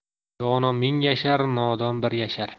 dono ming yashar nodon bir yashar